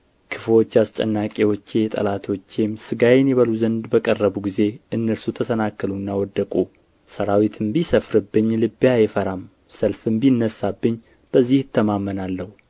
ክፉዎች አስጨናቂዎቼ ጠላቶቼም ሥጋዬን ይበሉ ዘንድ በቀረቡ ጊዜ እነርሱ ተሰናከሉና ወደቁ ሠራዊትም ቢሰፍርብኝ ልቤ አይፈራም ሰልፍም ቢነሣብኝ በዚህ እተማመናለሁ